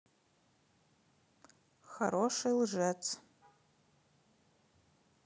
хороший лжец